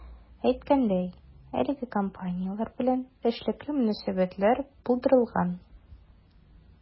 Әйткәндәй, әлеге компанияләр белән эшлекле мөнәсәбәтләр булдырылган.